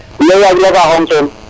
me yaag lasaxong ten